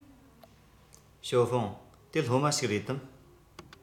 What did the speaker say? ཞའོ ཧྥུང དེ སློབ མ ཞིག རེད དམ